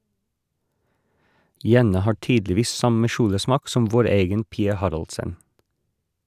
Jenna har tydeligvis samme kjolesmak som vår egen Pia Haraldsen.